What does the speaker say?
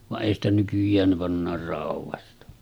vaan ei sitä nykyään ne pannaan raudasta